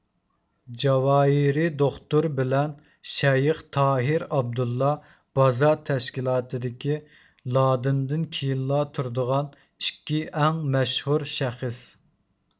جاۋاھېرى دوختۇر بىلەن شەيخ تاھىر ئابدۇللا بازا تەشكىلاتىدىكى لادېندىن كېيىنلا تۇرىدىغان ئىككى ئەڭ مەشھۇر شەخس